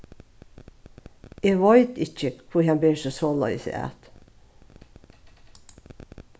eg veit ikki hví hann ber seg soleiðis at